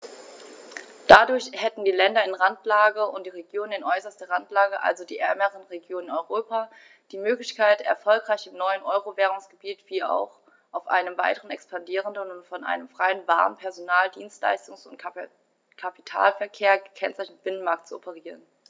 Dadurch hätten die Länder in Randlage und die Regionen in äußerster Randlage, also die ärmeren Regionen in Europa, die Möglichkeit, erfolgreich im neuen Euro-Währungsgebiet wie auch auf einem weiter expandierenden und von einem freien Waren-, Personen-, Dienstleistungs- und Kapitalverkehr gekennzeichneten Binnenmarkt zu operieren.